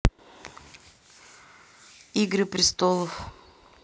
игры престолов